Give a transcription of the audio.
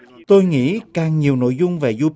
tôi nghĩ càng nhiều nội dung về du